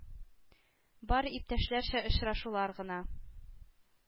Бары иптәшләрчә очрашулар гына